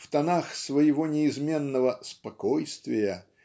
в тонах своего неизменного "спокойствия"